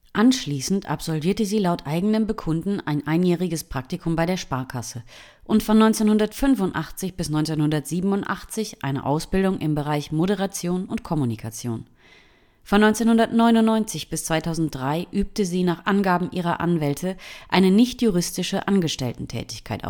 Anschließend absolvierte sie laut eigenem Bekunden ein einjähriges Praktikum bei der Sparkasse und von 1985 bis 1987 eine Ausbildung im Bereich Moderation und Kommunikation. Von 1999 bis 2003 übte sie nach Angaben ihrer Anwälte eine „ nicht juristische “Angestelltentätigkeit